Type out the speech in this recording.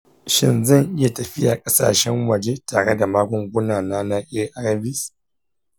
shin zan iya tafiya ƙasashen waje tare da magungunana na arvs?